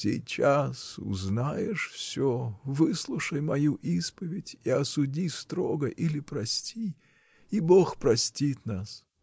— Сейчас узнаешь всё: выслушай мою исповедь — и осуди строго или прости — и Бог простит нас.